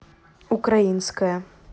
украинская